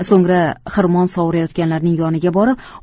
so'ngra xirmon sovurayotganlarning yoniga borib